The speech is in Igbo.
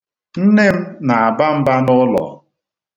Nne m na-aba mba n'ụlọ.